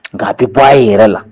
Nka a bɛ bɔ a yɛrɛ la